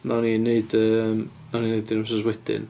Wnawn ni'n wneud yy wnewn ni wneud un wythnos wedyn.